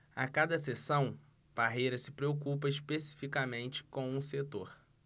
a cada sessão parreira se preocupa especificamente com um setor